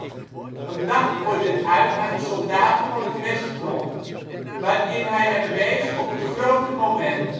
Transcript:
dagorder uit aan de soldaten van het westfront, waarin hij hen wees op het ' grote moment